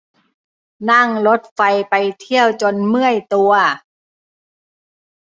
นั่งรถไฟไปเที่ยวจนเมื่อยตัว